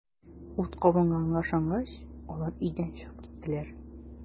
Ут кабынганга ышангач, алар өйдән чыгып киттеләр.